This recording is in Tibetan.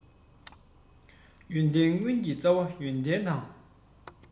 ཡོན ཏན ཀུན གྱི རྩ བ ཡོན ཏན དང